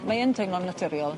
Mae yn teimlo'n naturiol.